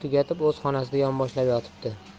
tugatib o'z xonasida yonboshlab yotibdi